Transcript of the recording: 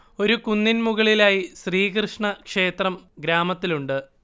ഒരു കുന്നിൻ മുകളിലായ് ശ്രീകൃഷ്ണ ക്ഷേത്രം ഗ്രാമത്തിലുണ്ട്